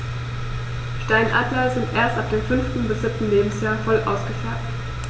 Steinadler sind erst ab dem 5. bis 7. Lebensjahr voll ausgefärbt.